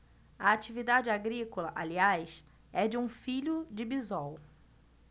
a atividade agrícola aliás é de um filho de bisol